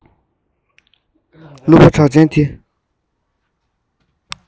གླུ པ གྲགས ཅན དེ